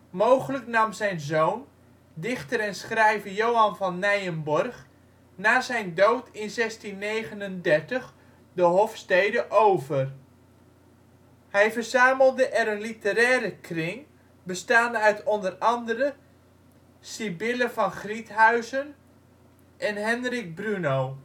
Mogelijk nam zijn zoon, dichter en schrijver Johan van Nijenborgh na zijn dood in 1639 de hofstede over. Hij verzamelde er een literaire kring, bestaande uit onder andere Sibylle van Griethuysen en Henrick Bruno